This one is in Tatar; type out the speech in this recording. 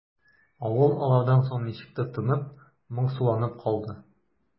Авыл алардан соң ничектер тынып, моңсуланып калды.